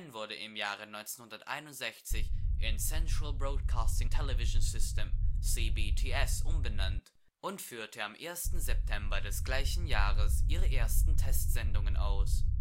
wurde im Jahre 1961 in Central Broadcasting Television System (CBTS) umbenannt und führte am 1. September des gleichen Jahres ihre ersten Testsendungen aus